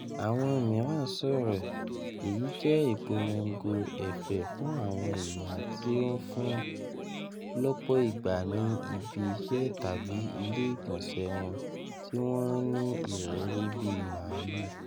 Awọn miiran sọrọ: “Eyi jẹ ipolongo ẹfẹ fun awọn iya ti on fun (lọpọ igba ni ibi iṣẹ tabi ile igbọnsẹ wọn) ti wọn n ni iriri bi “maalu.”